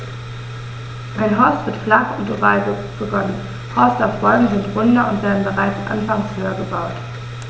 Ein Horst wird flach und oval begonnen, Horste auf Bäumen sind runder und werden bereits anfangs höher gebaut.